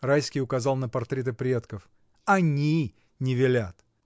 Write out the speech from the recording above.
— Райский указал на портреты предков. — Они не велят.